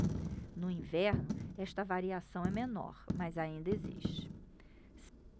no inverno esta variação é menor mas ainda existe